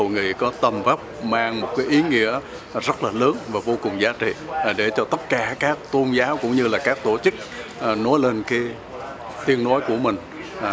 nghỉ có tầm vóc mang ý nghĩa rất lớn và vô cùng giá trị tất để cho cả các tôn giáo cũng như là các tổ chức nói lên cái tiếng nói của mình